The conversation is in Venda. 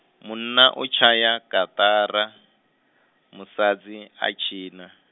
munna u tshaya kaṱara, musadzi a tshina.